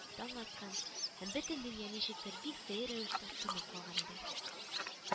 Таң аткан һәм бөтен дөнья ничектер бик сәер рәвештә тынып калган иде